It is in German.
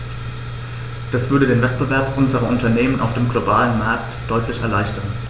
Das würde den Wettbewerb unserer Unternehmen auf dem globalen Markt deutlich erleichtern.